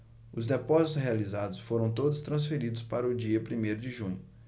os depósitos realizados foram todos transferidos para o dia primeiro de junho